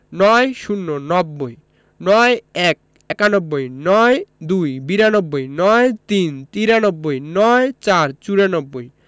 ৯১ একানব্বই ৯২ বিরানব্বই ৯৩ তিরানব্বই ৯৪ চুরানব্বই